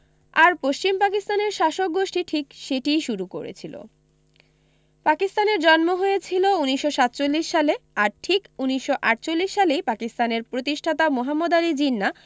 আর পশ্চিম পাকিস্তানের শাসক গোষ্ঠী ঠিক সেটিই শুরু করেছিল পাকিস্তানের জন্ম হয়েছিল ১৯৪৭ সালে আর ঠিক ১৯৪৮ সালেই পাকিস্তানের প্রতিষ্ঠাতা মোহাম্মদ আলী জিন্নাহ